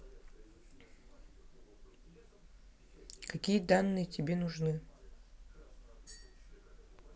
какие данные тебе нужны